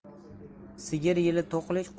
sigir yili to'qlik